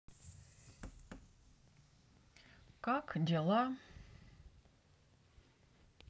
как дела